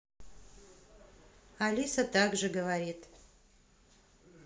алиса так же говорит